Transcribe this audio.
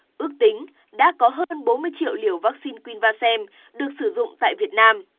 ước tính đã có hơn bốn mươi triệu liều vắc xin quin va xem được sử dụng tại việt nam